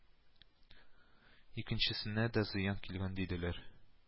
Икенчесенә дә зыян килгән диделәр